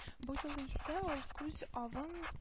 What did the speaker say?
Бу юлы исә ул күз авын